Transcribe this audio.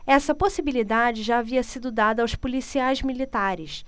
essa possibilidade já havia sido dada aos policiais militares